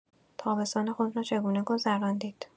تابستان خود را چگونه گذراندید؟